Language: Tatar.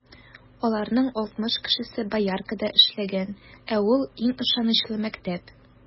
Аларның алтмыш кешесе Бояркада эшләгән, ә ул - иң ышанычлы мәктәп.